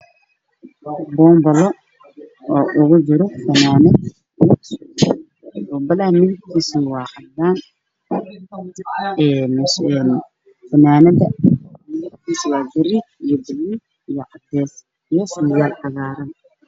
Waa boonbalo waxaa kujiro fanaanad iyo surwaal, boonbalo midabkiisu waa cadaan, fanaanad waa buluug iyo garee, cadeys iyo surwaal cagaar ah.